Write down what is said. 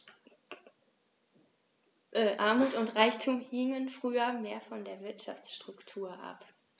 Armut und Reichtum hingen früher mehr von der Wirtschaftsstruktur ab.